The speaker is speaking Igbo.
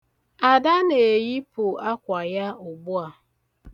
Ada na-eyipu akwa ya ugbu a.